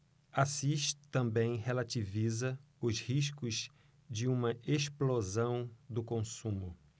assis também relativiza os riscos de uma explosão do consumo